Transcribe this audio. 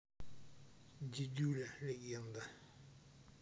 дидюля легенда